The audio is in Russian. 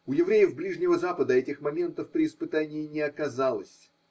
У евреев ближнего запада этих моментов при испытании не оказалось.